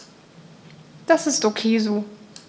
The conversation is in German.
Das ist ok so.